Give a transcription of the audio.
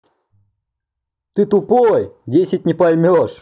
ты тупой десять не поймешь